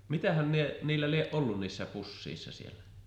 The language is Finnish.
mitähän niillä lie ollut niissä pusseissa siellä